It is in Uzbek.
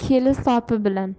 keli sopi bilan